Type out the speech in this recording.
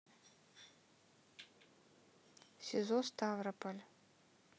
сизо ставрополь